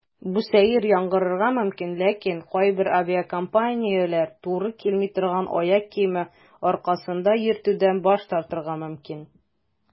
Бу сәер яңгырарга мөмкин, ләкин кайбер авиакомпанияләр туры килми торган аяк киеме аркасында йөртүдән баш тартырга мөмкин.